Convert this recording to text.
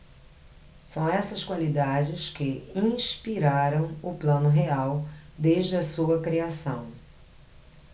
são essas qualidades que inspiraram o plano real desde a sua criação